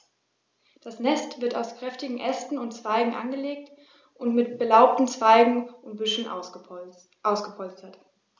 Das Nest wird aus kräftigen Ästen und Zweigen angelegt und mit belaubten Zweigen und Büscheln ausgepolstert.